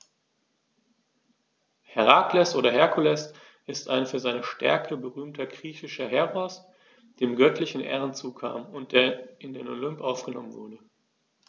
Herakles oder Herkules ist ein für seine Stärke berühmter griechischer Heros, dem göttliche Ehren zukamen und der in den Olymp aufgenommen wurde.